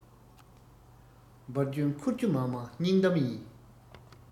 འབར རྒྱུ འཁོར རྒྱུ མ མང སྙིང གཏམ ཡིན